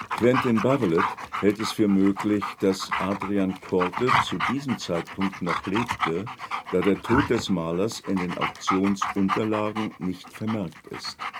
Quentin Buvelot hält es für möglich, dass Adriaen Coorte zu diesem Zeitpunkt noch lebte, da der Tod des Malers in den Auktionsunterlagen nicht vermerkt ist